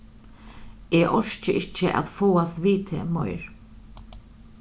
eg orki ikki at fáast við teg meir